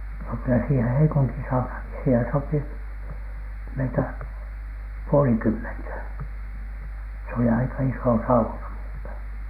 no kyllä siihen Heikuntin saunaankin siihen sopi meitä puolenkymmentä se oli aika iso sauna muuten